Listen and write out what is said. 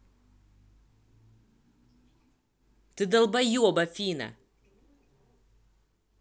ты долбоеб афина